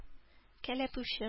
Кәләпүшем